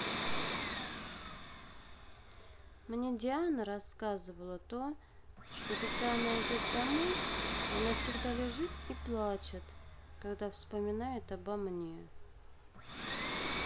мне диана рассказывала то что когда она идет домой она всегда лежит и плачет когда вспоминает обо мне